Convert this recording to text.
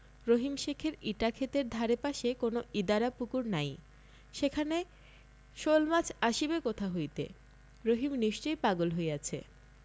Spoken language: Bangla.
রহিম শেখের ইটাক্ষেতের ধারে পাশে কোনো ইদারা পুকুর নাই সেখানে শোলমাছ আসিবে কোথা হইতে রহিম নিশ্চয়ই পাগল হইয়াছে